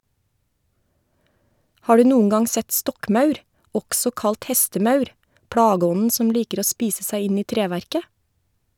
Har du noen gang sett stokkmaur, også kalt hestemaur, plageånden som liker å spise seg inn i treverket?